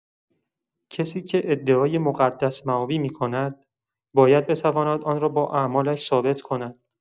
کسی که ادعای مقدس‌مآبی می‌کند، باید بتواند آن را با اعمالش ثابت کند.